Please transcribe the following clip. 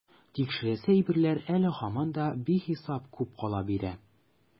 Тикшерәсе әйберләр әле һаман да бихисап күп кала бирә.